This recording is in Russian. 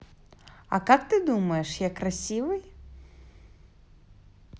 а как ты думаешь я красивый